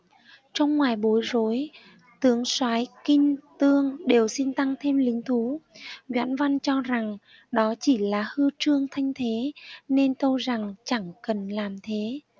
trong ngoài bối rối tướng soái kinh tương đều xin tăng thêm lính thú doãn văn cho rằng đó chỉ là hư trương thanh thế nên tâu rằng chẳng cần làm thế